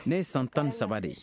ne ye san tan ni saba de ye